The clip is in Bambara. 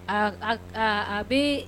Aa a bɛ